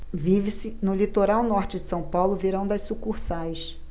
vive-se no litoral norte de são paulo o verão das sucursais